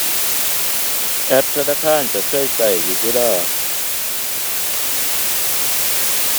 แอปธนาคารก็เคยก็อยู่เดะล่ะ